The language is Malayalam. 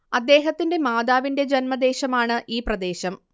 അദ്ദേഹത്തിന്റെ മാതാവിന്റെ ജന്മദേശമാണ് ഈ പ്രദേശം